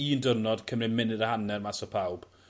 un diwrnod cymryd munud a hanner mas o pawb